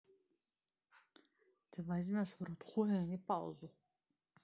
ты возьмешь в рот хуй а не паузу